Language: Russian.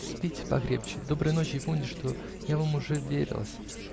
-- Спите покрепче; доброй ночи -- и помните, что я вам уже вверилась.